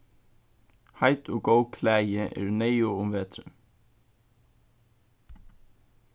heit og góð klæði eru neyðug um veturin